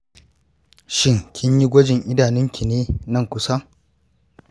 shin kinyi gwajin idanunki ne nan kusa?